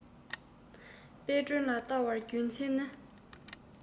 དཔལ སྒྲོན ལ བལྟ བར རྒྱུ མཚན ནི